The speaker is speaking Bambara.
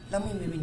Jamumu bɛ